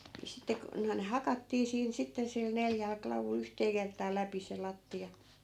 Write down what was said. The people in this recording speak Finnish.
niin sitten kun noin hakattiin siinä sitten sillä neljällä klavulla yhteen kertaan läpi se lattia